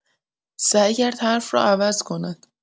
سعی کرد حرف را عوض کند